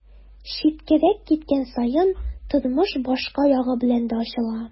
Читкәрәк киткән саен тормыш башка ягы белән дә ачыла.